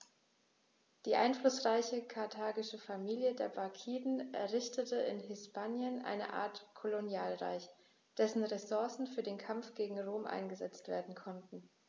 Die einflussreiche karthagische Familie der Barkiden errichtete in Hispanien eine Art Kolonialreich, dessen Ressourcen für den Kampf gegen Rom eingesetzt werden konnten.